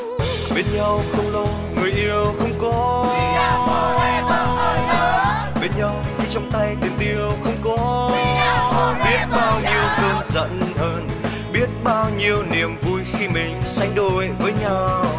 bên nhau không lo người yêu không có bên nhau khi trong tay tình yêu không có biết bao nhiêu cơn giận hờn biết bao nhiêu niềm vui khi mình sánh đôi với nhau